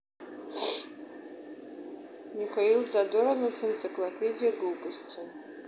михаил задорнов энциклопедия глупости